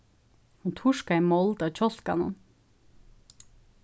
hon turkaði mold av kjálkanum